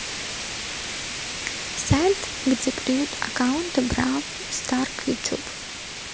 сайт где плюют аккаунты brawl stars youtube